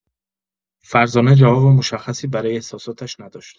فرزانه جواب مشخصی برای احساساتش نداشت.